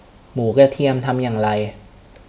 หมูกระเทียมทำอย่างไร